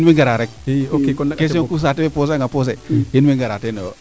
in way ngara rek question ku saate fe poser anga poser in way ngara teenoyo